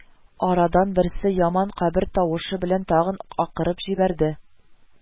Арадан берсе яман кабер тавышы белән тагын акырып җибәрде